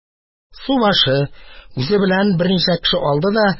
Субашы, үзе белән берничә кеше алды да